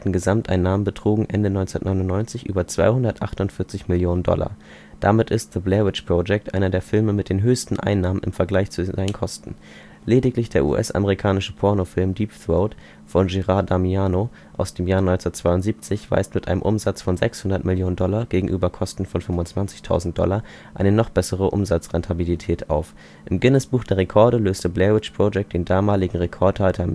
Gesamteinnahmen betrugen Ende 1999 über 248 Millionen Dollar. Damit ist „ The Blair Witch Project “einer der Filme mit den höchsten Einnahmen im Verhältnis zu seinen Kosten. Lediglich der US-amerikanische Pornofilm „ Deep Throat “von Gerard Damiano aus dem Jahr 1972 weist mit einem Umsatz von 600 Millionen Dollar gegenüber Kosten von 25.000 Dollar eine noch bessere Umsatzrentabilität auf. Im Guinness-Buch der Rekorde löste Blair Witch Project den damaligen Rekordhalter